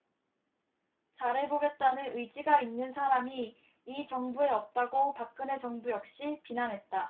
잘해보겠다는 의지가 있는 사람이 이 정부에 없다고 박근혜 정부 역시 비난했다